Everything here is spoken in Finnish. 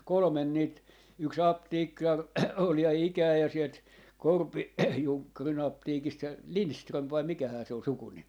kolme niitä yksi apteekkari oli ja ikään ja sieltä - Korpi-Junkkarin apteekista se Lindström vai mikähän se oli sukunimi